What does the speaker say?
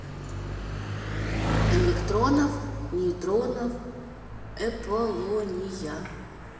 электронов нейтронов аполония